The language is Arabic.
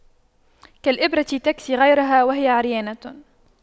كالإبرة تكسي غيرها وهي عريانة